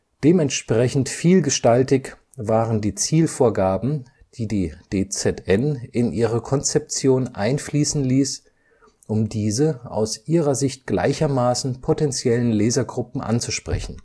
Dementsprechend vielgestaltig waren die Zielvorgaben, die die DZN in ihre Konzeption einfließen ließ, um diese aus ihrer Sicht gleichermaßen potentiellen Lesergruppen anzusprechen